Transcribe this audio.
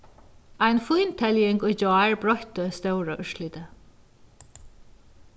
ein fínteljing í gjár broytti stóra úrslitið